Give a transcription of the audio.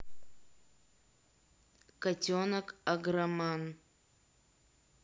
котенок агроман